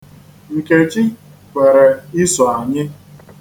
Nkechi kwere iso anyị.